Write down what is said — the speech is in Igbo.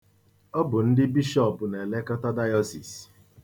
Ọ bụ ndị Bishọp na-elekọta dayọsis.